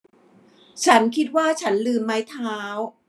ฉันคิดว่าฉันลืมไม้เท้า